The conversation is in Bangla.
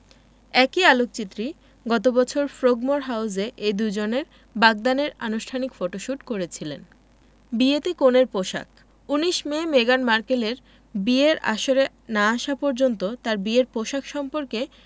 একই আলোকচিত্রী গত বছর ফ্রোগমোর হাউসে এই দুজনের বাগদানের আনুষ্ঠানিক ফটোশুট করেছিলেন বিয়েতে কনের পোশাক ১৯ মে মেগান মার্কেলের বিয়ের আসরে না আসা পর্যন্ত তাঁর বিয়ের পোশাক সম্পর্কে